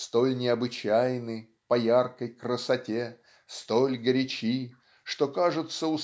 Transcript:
столь необычайны По яркой красоте столь горячи Что кажется